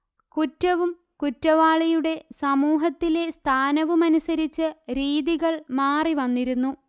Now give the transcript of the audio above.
കുറ്റവും കുറ്റവാളിയുടെ സമൂഹത്തിലെ സ്ഥാനവുമനുസരിച്ച് രീതികൾ മാറിവന്നിരുന്നു